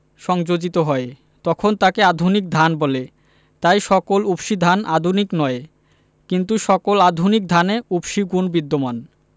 সংযোজিত হয় তখন তাকে আধুনিক ধান বলে তাই সকল উফশী ধান আধুনিক নয় কিন্তু সকল আধুনিক ধানে উফশী গুণ বিদ্যমান